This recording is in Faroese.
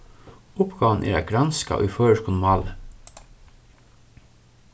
uppgávan er at granska í føroyskum máli